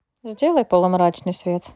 сделай полумрачный свет